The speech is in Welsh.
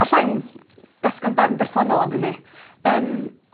Alla i'm datgan barn bersonol am hynny yym.